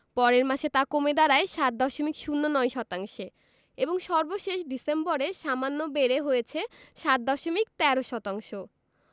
পরের মাসে তা কমে দাঁড়ায় ৭ দশমিক ০৯ শতাংশে এবং সর্বশেষ ডিসেম্বরে সামান্য বেড়ে হয়েছে ৭ দশমিক ১৩ শতাংশ